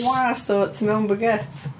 Wâst o tu mewn baguette.